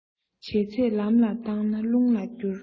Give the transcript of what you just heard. བྱས ཚད ལམ ལ བཏང ན རླུང ལ བསྐུར